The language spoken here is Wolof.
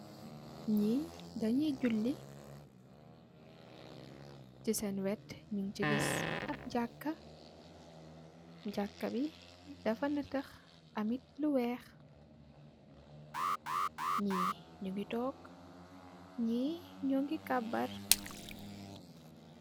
Ni danuy julli ci seen wet ñun ci gis ab jakka bi dafa na tex amit lu weex ni nu ngi took ni noo ngi kabbar.